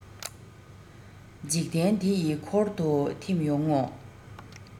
འཇིག རྟེན འདི ཡི འཁོར དུ ཐིམ ཡོང ངོ